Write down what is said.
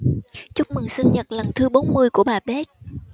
chúc mừng sinh nhật lần thứ bốn mươi của bà beck